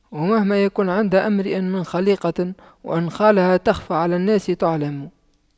ومهما يكن عند امرئ من خَليقَةٍ وإن خالها تَخْفَى على الناس تُعْلَمِ